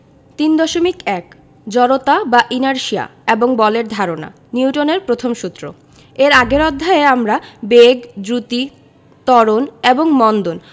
3.1 জড়তা বা ইনারশিয়া এবং বলের ধারণা নিউটনের প্রথম সূত্র এর আগের অধ্যায়ে আমরা বেগ দ্রুতি ত্বরণ এবং মন্দন